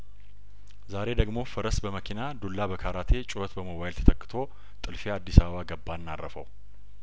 ዛሬ ደግሞ ፈረስ በመኪና ዱላ በካራቴ ጩኸት በሞባይል ተተክቶ ጥል ፊያአዲስ አበባ ገባና አረፈው